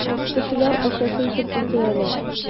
Кешеләр әшәке итеп үтерәләр.